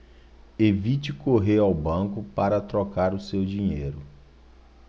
evite correr ao banco para trocar o seu dinheiro